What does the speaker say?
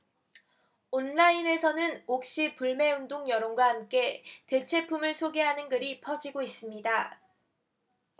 온라인에서는 옥시 불매운동 여론과 함께 대체품을 소개하는 글이 퍼지고 있습니다